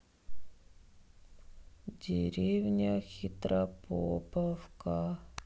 деревня хитропоповка